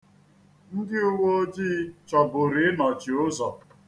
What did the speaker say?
Ndị uwe ojii chọburu ịnọchi ụzọ.